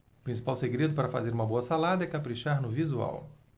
o principal segredo para fazer uma boa salada é caprichar no visual